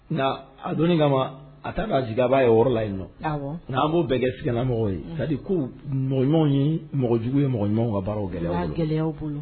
Nka a don kama a taara zbaa ye yɔrɔ la in nɔ n'a b'o bɛɛ kɛ seginnanamɔgɔ ye sa ko mɔgɔɲɔgɔn ye mɔgɔ jugu ye mɔgɔ ɲɔgɔn ka baara gɛlɛya